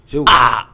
Se